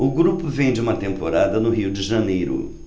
o grupo vem de uma temporada no rio de janeiro